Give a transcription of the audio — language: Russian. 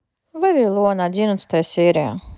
вавилон одиннадцатая серия